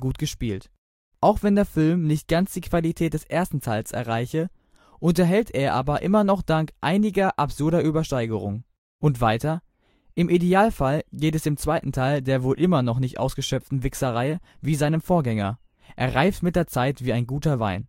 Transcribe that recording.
und gespielt. “Auch wenn der Film nicht ganz die Qualität des ersten Teils erreiche, „ unterhält er aber immer noch dank einiger absurder Übersteigerungen. “Und weiter: „ Im Idealfall geht es dem zweiten Teil der wohl immer noch nicht ausgeschöpften Wixxer-Reihe wie seinem Vorgänger: Er reift mit der Zeit wie ein guter Wein.